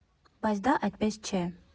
Բայց դա այդպես չէ։